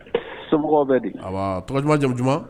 Somɔgɔw bɛ di tɔgɔ duman jamu duman